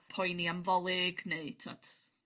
...poeni am 'Ddolig neu t'mod